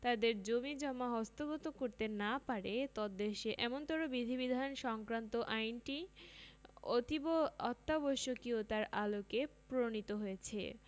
তাদের জমিজমা হস্তগত করতে না পারে তদ্দেশে এমনতার বিধিনিষেধ সংক্রান্ত আইনটি অতীব অত্যাবশ্যকীয়তার আলোকে প্রণীত হয়েছে